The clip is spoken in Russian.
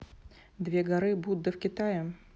две горы будда в китае